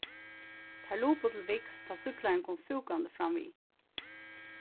teir lupu til viks tá súkklarin kom fúkandi framvið